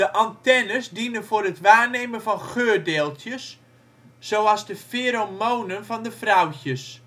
antennes dienen voor het waarnemen van geurdeeltjes, zoals de feromonen van de vrouwtjes. De antennes